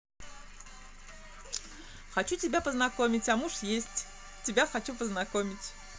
хочу тебя познакомить а муж есть тебя хочу познакомить